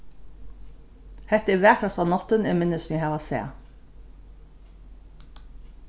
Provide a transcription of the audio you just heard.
hetta er vakrasta náttin eg minnist meg hava sæð